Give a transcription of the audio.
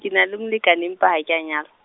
ke na le molekane empa ha ka nyalwa.